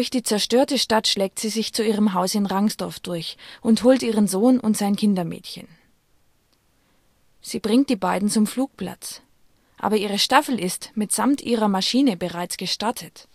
die zerstörte Stadt schlägt sie sich zu ihrem Haus in Rangsdorf durch und holt ihren Sohn und sein Kindermädchen. Sie bringt die beiden zum Flugplatz - aber ihre Staffel ist, mitsamt ihrer Maschine, bereits gestartet